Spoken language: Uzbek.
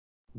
go'yo u shu